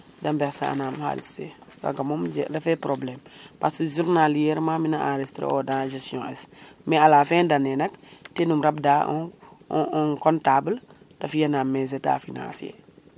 de mberse anam xalis fe kaga moom refe parce que journalièrement mina enrigistre oda gestion es mais à la fin d année nak tenum rab da un comptable te fiya nam les mfra états financière